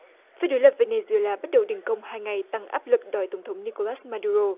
phe đối lập vê nê duê la bắt đầu đình công hai ngày tăng áp lực đòi tổng thống ni cô lát ma đu rô